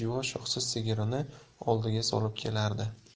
yuvosh shoxsiz sigirini oldiga solib kelardi